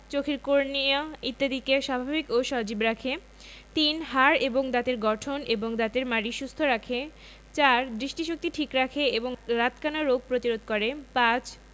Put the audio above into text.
চোখের কর্নিয়া ইত্যাদিকে স্বাভাবিক ও সজীব রাখে ৩. হাড় এবং দাঁতের গঠন এবং দাঁতের মাড়ি সুস্থ রাখে ৪. দৃষ্টিশক্তি ঠিক রাখে এবং রাতকানা রোগ প্রতিরোধ করে ৫.